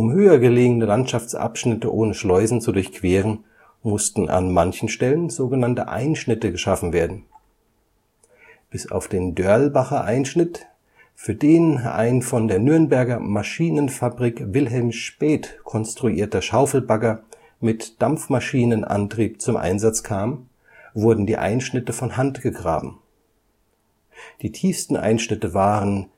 höher gelegene Landschaftsabschnitte ohne Schleusen zu durchqueren, mussten an manchen Stellen sogenannte Einschnitte geschaffen werden. Bis auf den Dörlbacher Einschnitt, für den ein von der Nürnberger Maschinenfabrik Wilhelm Späth konstruierter Schaufelbagger mit Dampfmaschinenantrieb zum Einsatz kam, wurden die Einschnitte von Hand gegraben. Die tiefsten Einschnitte waren